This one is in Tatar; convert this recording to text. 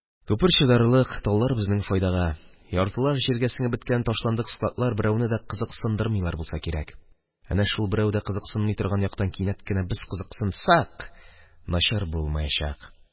Күпер чыдарлык, таллар безнең файдага, яртылаш җиргә сеңеп беткән ташландык складлар берәүне дә кызыктырмыйлар булса кирәк, әнә шул берәү дә кызыксынмый торган яктан кинәт кенә без кызыксынсак, начар булмаячак.